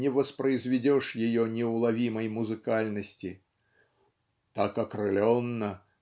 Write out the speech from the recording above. не воспроизведешь ее неуловимой музыкальности. "Так окрыленно